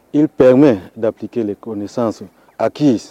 Ipme dap kelen de ko ni san a'